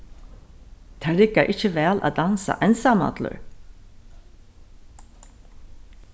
tað riggar ikki væl at dansa einsamallur